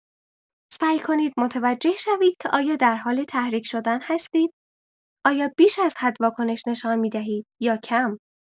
سعی کنید متوجه شوید که آیا در حال تحریک شدن هستید، آیا بیش از حد واکنش نشان می‌دهید یا کم.